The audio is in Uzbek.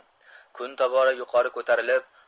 kun tobora yuqoriga ko'tarilib